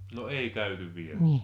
no ei käyty vielä